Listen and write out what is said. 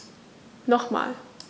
Nochmal.